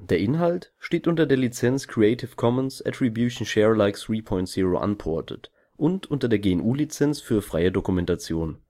Inhalt steht unter der Lizenz Creative Commons Attribution Share Alike 3 Punkt 0 Unported und unter der GNU Lizenz für freie Dokumentation